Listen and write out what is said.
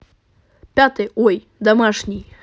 пятый ой домашний